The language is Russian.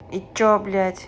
и че блядь